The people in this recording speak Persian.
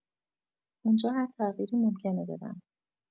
اونجا هر تغییری ممکنه بدن.